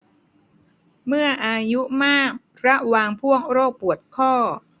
เมื่ออายุมากระวังพวกโรคปวดข้อ